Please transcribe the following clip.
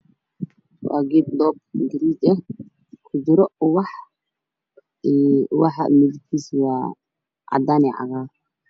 Waa geed uu kujiro ubax ubaxa midabkiisu waa cadaan iyo cagaar